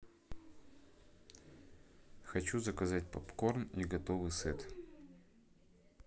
хочу заказать попкорн и готовый сет